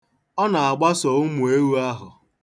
Ọ na-agbaso ụmụ ewu ahụ.